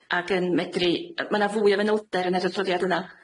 ag yn medru... Yy ma' 'na fwy o fanylder yn yr adroddiad yna.